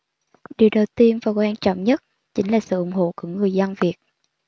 điều đầu tiên và quan trọng nhất chính là sự ủng hộ của người dân việt